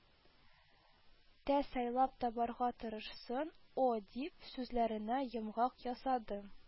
Тә сайлап табарга тырышсын,ó дип, сүзләренә йомгак ясады